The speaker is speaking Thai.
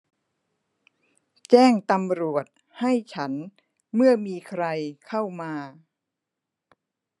แจ้งตำรวจให้ฉันเมื่อมีใครเข้ามา